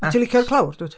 Ti'n licio'r clawr dwyt?